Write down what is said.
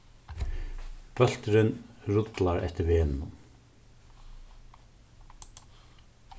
bólturin rullar eftir vegnum